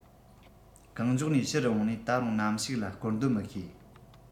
གང མགྱོགས ནས ཕྱིར འོང ནས ད རུང ནམ ཞིག ལ བསྐོར འདོད མི ཤེས